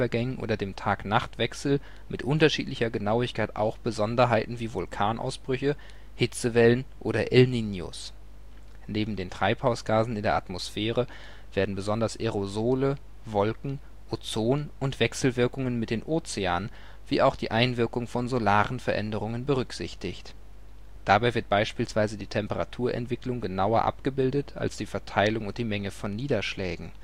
oder dem Tag-Nacht-Wechsel mit unterschiedlicher Genauigkeit auch Besonderheiten wie Vulkanausbrüche, Hitzewellen oder El Niños. Neben den Treibhausgasen in der Atmosphäre werden besonders Aerosole, Wolken, Ozon und Wechselwirkungen mit den Ozeanen wie auch die Einwirkung von solaren Veränderungen berücksichtigt. Dabei wird beispielsweise die Temperaturentwicklung genauer abgebildet als die Verteilung und die Menge von Niederschlägen